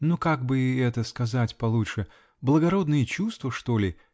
ну, как бы это сказать получше?. благородные чувства, что ли?